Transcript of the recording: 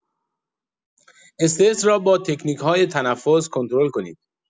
استرس را با تکنیک‌های تنفس کنترل کنید.